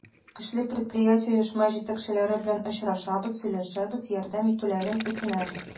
Көчле предприятие, оешма җитәкчеләре белән очрашабыз, сөйләшәбез, ярдәм итүләрен үтенәбез.